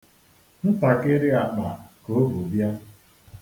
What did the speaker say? Ntakịrị akpa ka o bu bịa.